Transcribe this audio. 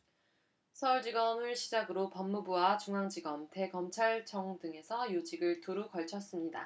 서울지검을 시작으로 법무부와 중앙지검 대검찰청 등에서 요직을 두루 걸쳤습니다